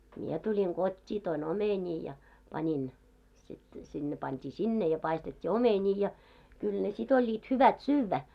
minä tulin kotiin toin omenia ja panin sitten sitten ne pantiin sinne ja paistettiin omenia ja kyllä ne sitten olivat hyvät syödä